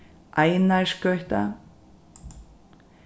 einarsgøta